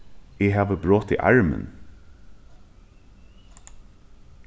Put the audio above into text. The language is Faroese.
eg havi brotið armin